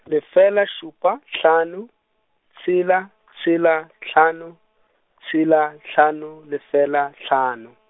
lefela šupa hlano, tshela tshela hlano, tshela, hlano, lefela, hlano.